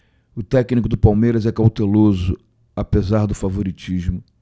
o técnico do palmeiras é cauteloso apesar do favoritismo